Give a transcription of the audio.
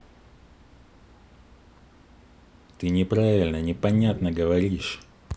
ты неправильно непонятно говоришь